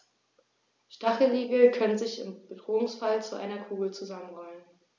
Stacheligel können sich im Bedrohungsfall zu einer Kugel zusammenrollen.